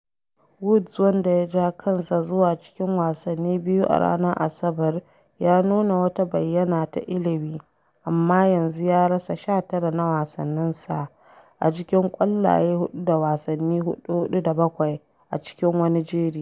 Woods, wanda ya ja kansa zuwa cikin wasanni biyu a ranar Asabar, ya nuna wata bayyana ta ilimi amma yanzu ya rasa 19 na wasanninsa a cikin ƙwallaye huɗu da wasannin huɗu-huɗu da bakwai a cikin wani jeri.